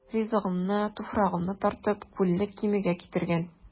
Ризыгыммы, туфрагыммы тартып, Күлле Кимегә китергән.